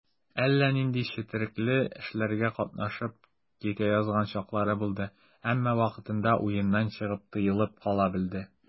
Әллә нинди четрекле эшләргә катнашып китә язган чаклары булды, әмма вакытында уеннан чыгып, тыелып кала белде.